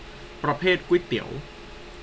ประเภทก๋วยเตี๋ยว